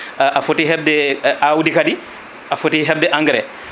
a foti hebde awdi kadi a foti hebde engrais